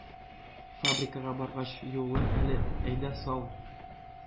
Фабрикага баргач, юылыр әле, әйдә сал!..-